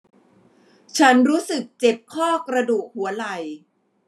ฉันรู้สึกเจ็บข้อกระดูกหัวไหล่